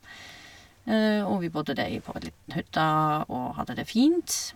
Og vi bodde der i på en liten hytta og hadde det fint.